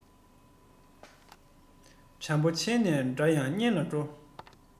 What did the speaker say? ཆེ འདོད ཅན ལ ཆེ བ ཡོང བ དཀའ